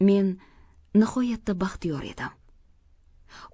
men nihoyatda baxtiyor edim